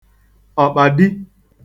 ọ̀kpàdi